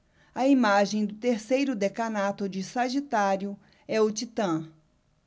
a imagem do terceiro decanato de sagitário é o titã